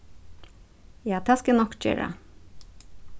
ja tað skal eg nokk gera